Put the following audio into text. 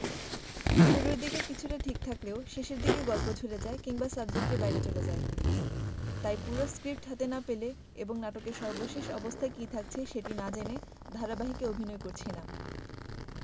শুরুর দিকে কিছুটা ঠিক থাকলেও শেষের দিকে গল্প ঝুলে যায় কিংবা সাবজেক্টের বাইরে চলে যায় তাই পুরো স্ক্রিপ্ট হাতে না পেলে এবং নাটকের সর্বশেষ অবস্থা কী থাকছে সেটি না জেনে ধারাবাহিকে অভিনয় করছি না